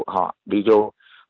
họ đi dô